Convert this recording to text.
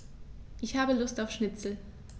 Ich habe Lust auf Schnitzel.